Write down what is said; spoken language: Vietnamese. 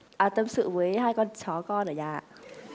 à tâm sự với hai con chó con ở nhà ạ